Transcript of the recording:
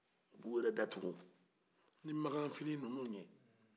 u bɛ u yɛrɛ datuku ni makanfiniw ninnu ye